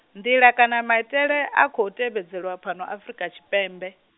nḓila kana maitele a khou tevhedzelwa fhano Afurika Tshipembe.